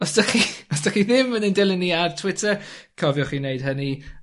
Os 'dych chi os 'dych chi ddim yn ein dilyn ni ar Twitter cofiwch i neud hynny.